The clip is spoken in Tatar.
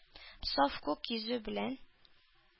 Саф күк йөзе белән